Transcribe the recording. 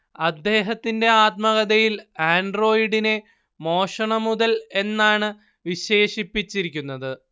അദ്ദേഹത്തിന്റെ ആത്മകഥയിൽ ആൻഡ്രോയിഡിനെ മോഷണ മുതൽ എന്നാണ് വിശേഷിപ്പിച്ചിരിക്കുന്നത്